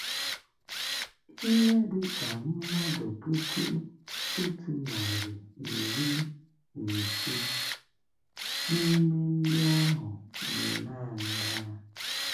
Ihe dị ka mmadụ puku 150 n'ime ndị ahụ bi naanị ha.